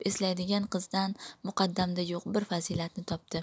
eslaydigan qizdan m uqaddam da yo'q bir fazilatni topdi